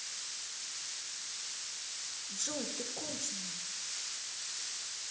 джой ты конченная